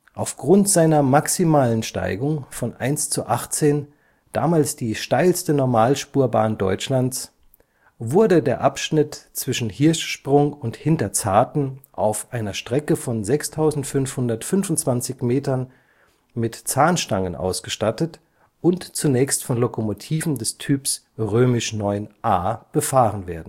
Aufgrund seiner maximalen Steigung von 1:18, damals die steilste Normalspur-Bahn Deutschlands, wurde der Abschnitt zwischen Hirschsprung und Hinterzarten auf einer Strecke von 6525 m mit Zahnstangen ausgestattet und zunächst von Lokomotiven des Typs IX a befahren wurden. Wie